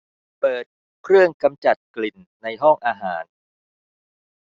เปิดเครื่องกำจัดกลิ่นในห้องอาหาร